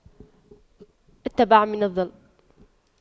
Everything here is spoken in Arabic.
أتبع من الظل